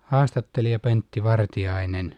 haastattelija Pentti Vartiainen